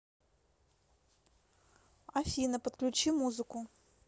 афина подключи музыку